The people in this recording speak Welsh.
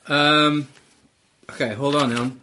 Yym, ocê hold on iawn.